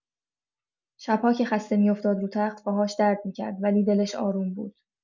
شب‌ها که خسته می‌افتاد رو تخت، پاهاش درد می‌کرد، ولی دلش آروم بود.